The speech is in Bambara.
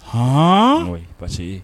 Hannnnn oui parce que